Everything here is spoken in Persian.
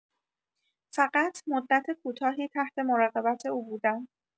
فقط مدت کوتاهی تحت مراقبت او بودم.